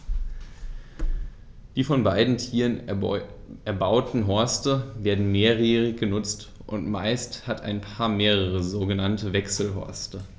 Die von beiden Tieren erbauten Horste werden mehrjährig benutzt, und meist hat ein Paar mehrere sogenannte Wechselhorste.